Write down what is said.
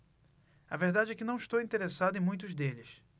a verdade é que não estou interessado em muitos deles